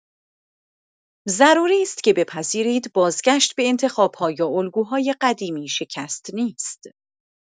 ضروری است که بپذیرید بازگشت به انتخاب‌ها یا الگوهای قدیمی شکست نیست.